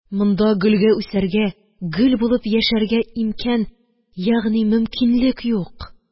Монда гөлгә үсәргә, гөл булып яшәргә имкян, ягъни мөмкинлек юк.